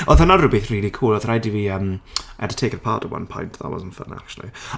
Oedd hwnna'n rywbeth really cool, odd rhaid i fi yym... I had to take it apart at one point. That wasn't fun actually.